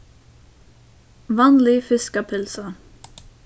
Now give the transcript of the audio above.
vanlig fiskapylsa